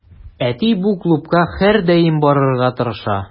Әти бу клубка һәрдаим барырга тырыша.